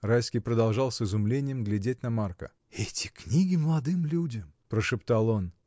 Райский продолжал с изумлением глядеть на Марка. — Эти книги молодым людям! — прошептал он.